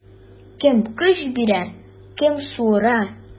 Кем көч бирә, кем суыра.